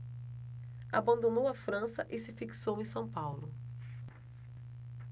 abandonou a frança e se fixou em são paulo